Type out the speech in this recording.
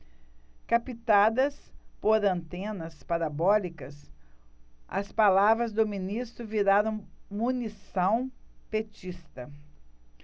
captadas por antenas parabólicas as palavras do ministro viraram munição petista